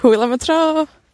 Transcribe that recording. Hwyl am y tro.